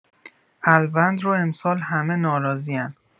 الوند رو امسال همه ناراضی‌ان